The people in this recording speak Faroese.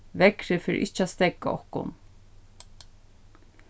veðrið fer ikki at steðga okkum